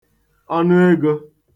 ọnụegō